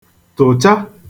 tụ̀cha